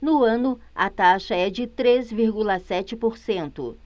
no ano a taxa é de três vírgula sete por cento